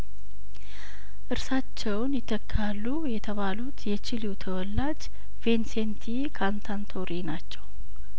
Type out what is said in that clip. እርሳቸውን ይተካሉ የተባሉት የቺሊው ተወላጅ ቪን ሴንቲ ካንታንቶሬ ናቸው